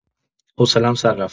حوصلم سر رفت